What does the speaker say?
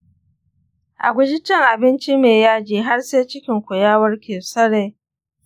a guji cin abinci mai yaji har sai cikinku ya warke sarai.